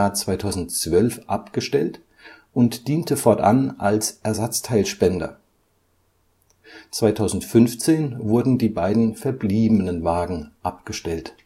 2012 abgestellt und diente fortan als Ersatzteilspender. 2015 wurden die beiden verbliebenen Wagen M98 22 und 23 abgestellt